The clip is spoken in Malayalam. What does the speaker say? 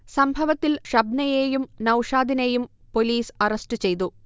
സംഭവത്തിൽ ഷബ്നയേയും നൗഷാദിനേയും പൊലീസ് അറസ്റ്റ് ചെയ്തു